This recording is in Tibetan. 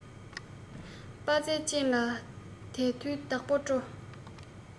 དཔའ རྩལ ཅན ལ དལ དུས བདག པོ སྤྲོད